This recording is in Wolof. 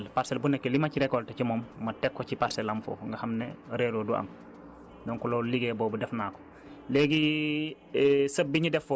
donc yooyu parcelles am na ci huit parcelles parcelle bu nekk li ma ci récolter ci moom ma teg ko ci parcelle am foofu nga xam ne réeróo du am donc loolu liggéey boobu def naa ko